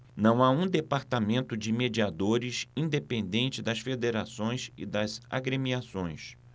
não há um departamento de mediadores independente das federações e das agremiações